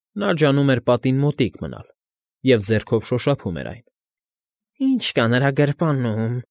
Նա ջանում էր պատին մոտիկ մնալ և ձեռքով շոշափում էր այն։ ֊ Ի՞նչ կա նրա գր֊ր֊րպանում,֊